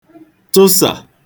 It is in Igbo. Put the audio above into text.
tụsà